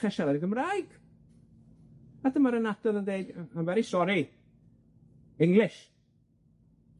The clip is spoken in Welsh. dechre siarad Gymraeg, a dyma'r ynadon yn deud yy I'm very sorry, English!